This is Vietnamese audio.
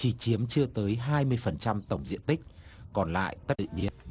chỉ chiếm chưa tới hai mươi phần trăm tổng diện tích còn lại đất tự nhiên